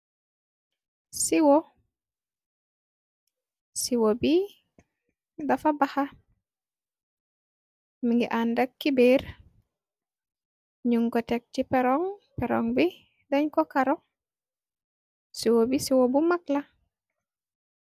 Siiwo siwo bi dafa baxa mi ngi an dakki beer ñun go teg ci rong perong bi dañ ko karo siwoo bi siwo bu mag la.